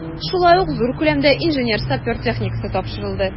Шулай ук зур күләмдә инженер-сапер техникасы тапшырылды.